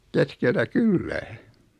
keskeltä kylää